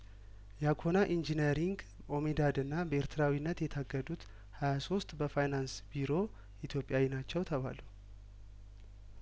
ያኮና ኢንጂነሪንግ ኦሜዳድና በኤርትራዊነት የታገዱት ሀያሶስት በፋይናንስ ቢሮ ኢትዮጵያዊ ናቸው ተባሉ